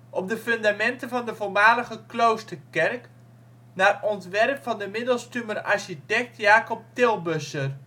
op de fundamenten van de voormalige kloosterkerk naar ontwerp van de Middelstumer architect Jacob Tilbusscher